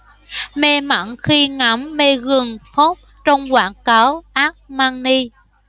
mê mẩn khi ngắm megan fox trong quảng cáo armani